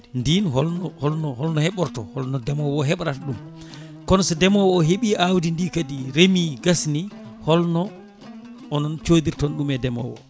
ndin holno holno holno heeɓorto holno ndeemowo o heɓrata ɗum kono so ndeemowo o heeɓi awdi ndi kadi reemi gasni holno onon codirton ɗum e ndeemowo o